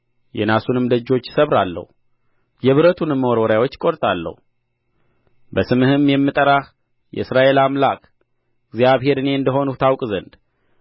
የናሱንም ደጆች እሰብራለሁ የብረቱንም መወርወሪያዎች እቈርጣለሁ በስምህም የምጠራህ የእስራኤል አምላክ እግዚአብሔር እኔ እንደ ሆንሁ ታውቅ ዘንድ